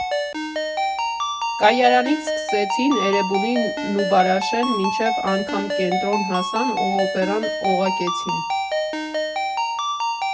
Կայարանից սկսեցին, Էրեբունի, Նուբարաշեն, մինչև անգամ Կենտրոն հասան ու Օպերան օղակեցին։